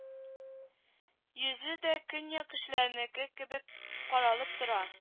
Йөзе дә көньяк кешеләренеке кебек каралып тора